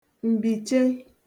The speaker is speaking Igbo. ̀m̀bìche